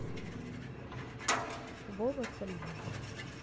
вова со львова